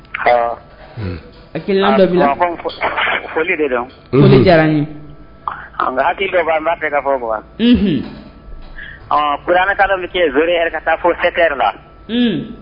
Ɔ foli de diyara dɔ ka fɔ ma kodɔ bɛ zere ka taa fɔ la